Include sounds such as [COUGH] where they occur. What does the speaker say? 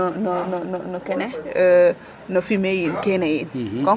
no no no kene [HESITATION] no fumier yiin kene yiin .